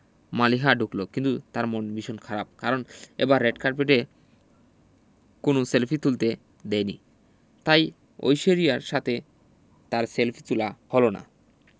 মালিহা ঢুকলো কিন্তু তার মন ভীষণ খারাপ কারণ এবার রেড কার্পেটে কোনো সেলফি তুলতে দেয়নি তাই ঐশ্বরিয়ার সাথে তার সেলফি তোলা হলো না